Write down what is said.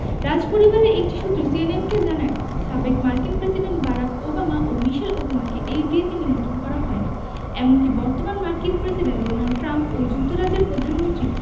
রাজপরিবারের একটি সূত্র সিএনএনকে জানায় সাবেক মার্কিন প্রেসিডেন্ট বারাক ওবামা ও মিশেল ওবামাকে এই বিয়েতে নিমন্ত্রণ করা হয়নি এমনকি বর্তমান মার্কিন প্রেসিডেন্ট ডোনাল্ড ট্রাম্প ও যুক্তরাজ্যের প্রধানমন্ত্রী